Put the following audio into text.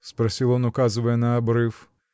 — спросил он, указывая на обрыв.